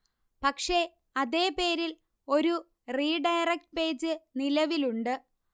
പക്ഷെ അതേ പേരിൽ ഒരു റീഡയറക്ട് പേജ് നിലവിൽ ഉണ്ട്